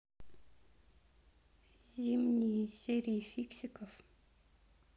зимние серии фиксиков